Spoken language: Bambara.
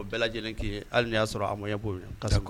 Bɛɛ lajɛlen' hali y'a sɔrɔ a ka